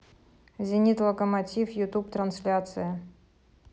зенит локомотив ютуб трансляция